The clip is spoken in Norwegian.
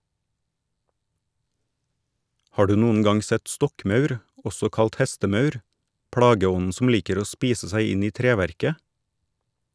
Har du noen gang sett stokkmaur, også kalt hestemaur, plageånden som liker å spise seg inn i treverket?